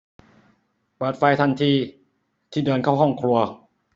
เปิดไฟทันทีที่เดินเข้าห้องครัว